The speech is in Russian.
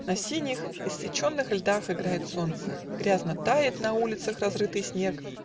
На синих, иссеченных льдах Играет солнце; грязно тает На улицах разрытый снег.